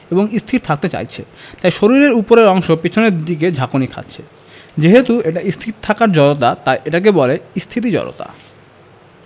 এবং স্থির থাকতে চাইছে তাই শরীরের ওপরের অংশ পেছনের দিকে ঝাঁকুনি খাচ্ছে যেহেতু এটা স্থির থাকার জড়তা তাই এটাকে বলে স্থিতি জড়তা